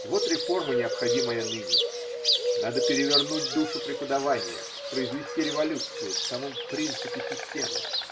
Вот реформа, необходимая ныне: надо перевернуть душу преподавания, произвести революцию в самом принципе системы.